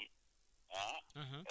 ci wàllum ah